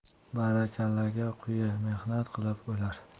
barakallaga qui mehnat qilib o'lar